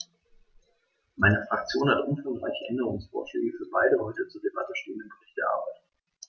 Meine Fraktion hat umfangreiche Änderungsvorschläge für beide heute zur Debatte stehenden Berichte erarbeitet.